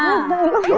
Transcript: a